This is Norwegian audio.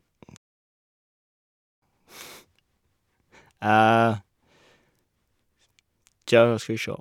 Tja, nå skal vi sjå.